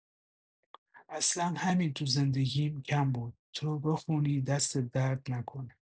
اصلا همین تو زندگیم کم بود تو بخونی دستت درد نکنه